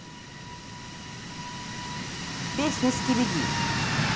песня skibidi